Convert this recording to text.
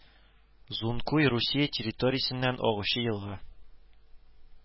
Зункуй Русия территориясеннән агучы елга